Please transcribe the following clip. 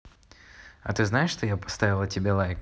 а ты знаешь что я поставила тебе лайк